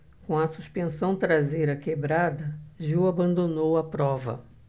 com a suspensão traseira quebrada gil abandonou a prova